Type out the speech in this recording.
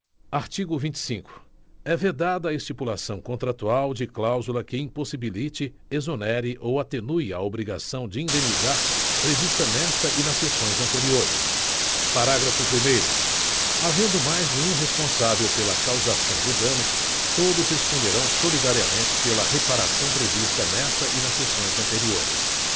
artigo vinte cinco é vedada a estipulação contratual de cláusula que impossibilite exonere ou atenue a obrigação de indenizar prevista nesta e nas seções anteriores parágrafo primeiro havendo mais de um responsável pela causação do dano todos responderão solidariamente pela reparação prevista nesta e nas seções anteriores